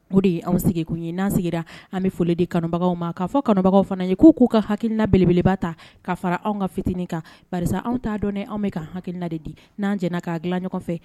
O de ye anw sigi n'an sigira an bɛ foli di kanubagaw ma k'a fɔ kɔnɔbagaw fana ye k' k'u ka hakiina belebeleba ta kaa fara anw ka fitinin kan baa anw'a dɔn anw bɛ ka haina de di n'an jɛ k'a dilan ɲɔgɔn fɛ